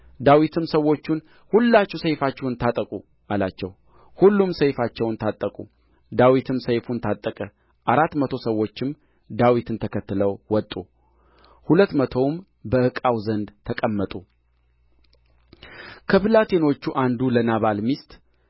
ዳዊትም ሰዎቹን ሁላችሁ ሰይፋችሁን ታጠቁ አላቸው ሁሉም ሰይፋቸውን ታጠቁ ዳዊትም ሰይፉን ታጠቀ አራት መቶ ሰዎችም ዳዊትን ተከትለው ወጡ ሁለት መቶውም በዕቃው ዘንድ ተቀመጡ ከብላቴኖቹ አንዱ ለናባል ሚስት